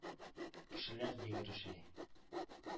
Кешеләр йөгерешә.